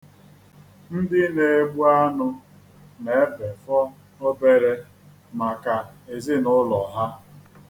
Ndị na-egbu anụ na-ebefọ obere maka ezinụụlọ ha.